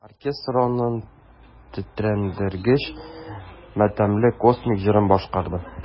Оркестр аның тетрәндергеч матәмле космик җырын башкарды.